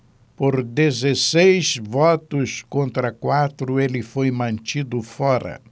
por dezesseis votos contra quatro ele foi mantido fora